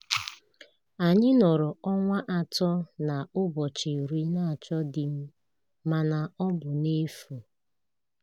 Anyị nọrọ ọnwa atọ na ụbọchị iri na-achọ di m, mana ọ bụ n'efu...